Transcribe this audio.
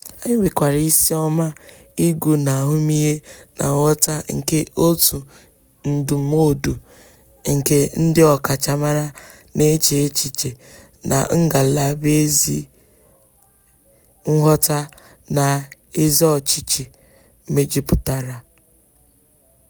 Anyị nwekwara isiọma ịgụ n'ahụmihe na nghọta nke òtù ndị ndụmọdụ nke ndị ọkachamara na-eche echiche na ngalaba ezi nghọta na ezi ọchịchị mejupụtara.